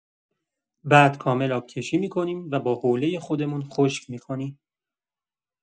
بعد کامل آبکشی می‌کنیم و با حوله خودمون خشک می‌کنیم.